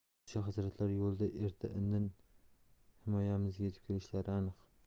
podsho hazratlari yo'lda erta indin himoyamizga yetib kelishlari aniq